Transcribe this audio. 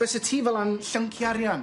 Byse tŷ fela'n llynci arian?